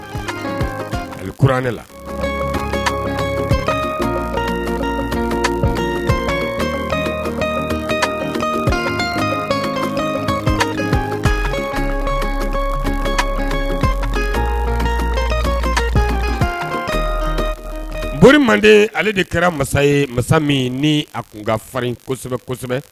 A kuran ne la n mori mande ale de kɛra masa ye masa min ni a tun ka farin kosɛbɛ